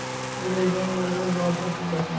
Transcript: buzilgan elni botir tuzatar